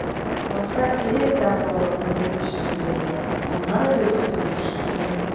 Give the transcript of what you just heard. Башта ирек дәгъвалауны дөрес шикелле әйтә, аннары дөрес түгел шикелле.